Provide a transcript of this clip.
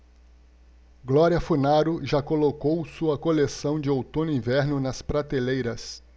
glória funaro já colocou sua coleção de outono-inverno nas prateleiras